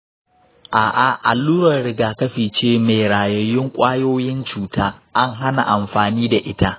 a’a, allurar rigakafi ce mai rayayyun ƙwayoyin cuta. an hana amfani da ita.